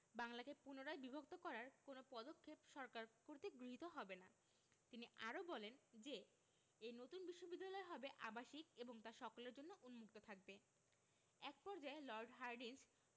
বাংলাকে পুনরায় বিভক্ত করার কোনো পদক্ষেপ সরকার কর্তৃক গৃহীত হবে না তিনি আরও বলেন যে এ নতুন বিশ্ববিদ্যালয় হবে আবাসিক এবং তা সকলের জন্য উন্মুক্ত থাকবে এক পর্যায়ে লর্ড হার্ডিঞ্জ